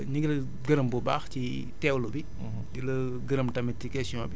jëëjëf ok Leye ñu ngi lay gërëm bu baax ci teewlu bi